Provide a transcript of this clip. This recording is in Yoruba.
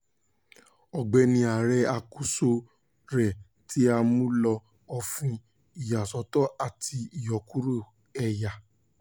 Ọ̀gbẹ́ni ààrẹ, àkósoò rẹ ti ṣe àmúlò òfin ìyàsọ́tọ̀ àti ìyọkúrò ẹ̀yà.